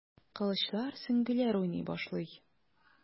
Кылычлар, сөңгеләр уйный башлый.